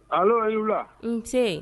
Ala' la n ce